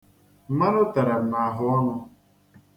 Mmanụ tere m n'ahụọnụ.